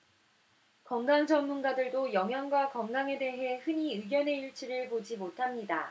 건강 전문가들도 영양과 건강에 대해 흔히 의견의 일치를 보지 못합니다